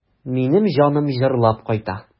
Минем җаным җырлап кайта.